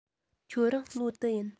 ཁྱེད རང ལོ དུ ཡིན